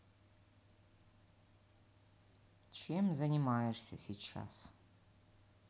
чем занимаешься сейчас